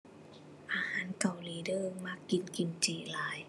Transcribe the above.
อาหารเกาหลีเด้อ มักกินกิมจิหลาย